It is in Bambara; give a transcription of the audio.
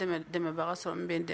Dɛmɛ dɛmɛbaga sɔrɔ min bɛ n dɛmɛ.